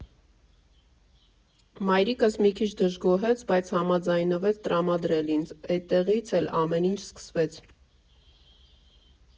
Մայրիկս մի քիչ դժգոհեց, բայց համաձայնվեց տրամադրել ինձ, էդտեղից էլ ամեն ինչ սկսվեց։